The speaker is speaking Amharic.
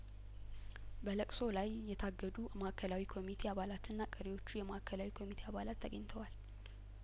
በለቅሶው ላይ የታገዱ ማእከላዊ ኮሚቴ አባላትና ቀሪዎቹ የማእከላዊ ኮሚቴ አባላት ተገኝተዋል